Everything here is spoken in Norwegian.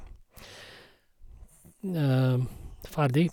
Ferdig.